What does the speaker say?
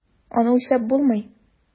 Аны үлчәп булмый.